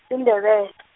siNdebe- .